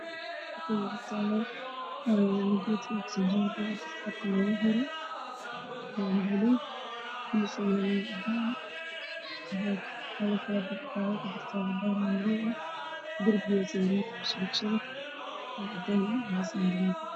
Waxaa yaalo daawo ay ku jirto bac kup midabkeedu yahay dhalo buluug ah saaran tahay miss waana daawo